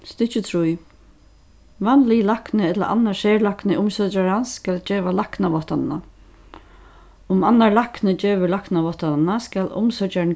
stykki trý vanligi lækni ella annar serlækni umsøkjarans skal geva læknaváttanina um annar lækni gevur læknaváttanina skal umsøkjarin